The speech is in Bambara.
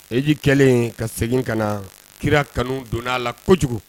Eji kɛlen ka segin ka na kira kanu donna a la kojugu